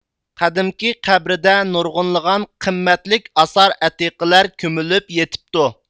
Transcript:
قەدىمكى قەبرىدە نۇرغۇنلىغان قىممەتلىك ئاسارئەتىقىلەر كۆمۈلۈپ يېتىپتۇ